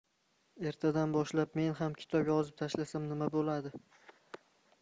ertadan boshlab men ham kitob yozib tashlasam nima bo'ladi